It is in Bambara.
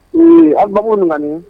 Ee a bama nana